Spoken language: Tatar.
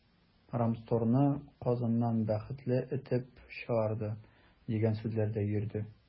“рамстор”ны казаннан “бәхетле” этеп чыгарды, дигән сүзләр дә йөрде.